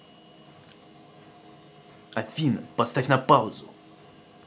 афина поставь на паузу